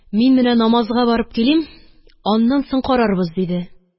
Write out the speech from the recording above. Мин менә намазга барып килим, аннан соң карарбыз, – диде